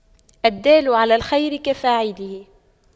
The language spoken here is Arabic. الدال على الخير كفاعله